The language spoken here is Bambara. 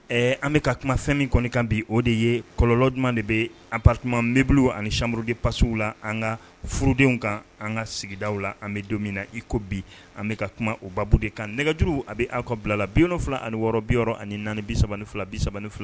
An bɛka ka kuma fɛn min kɔni kan bi o de ye kɔlɔlɔ duman de bɛ anbatibbili ani sauru de pasiw la an ka furudenw kan an ka sigidaw la an bɛ don min na iko bi an bɛ ka kuma obabu de kan nɛgɛjuru a bɛ aw kɔ bilala biyɔnfila ani wɔɔrɔ bi yɔrɔ ani naani bi fila bisa fila